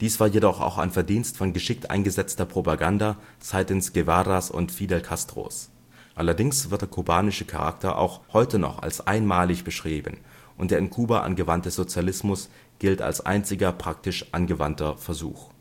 Dies war jedoch auch ein Verdienst von geschickt eingesetzter Propaganda seitens Guevaras und Fidel Castros. Allerdings wird der kubanische Charakter auch heute noch als einmalig beschrieben und der in Kuba angewandte Sozialismus gilt als einziger praktisch angewandter Versuch